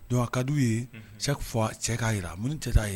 Don kadi ye cɛ k'a jira mun cɛ ta'a ye